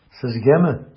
Сезгәме?